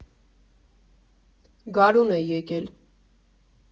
Գարուն է եկել։